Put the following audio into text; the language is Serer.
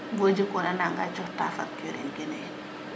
bo jik wona nanga coxta facture in kene yiin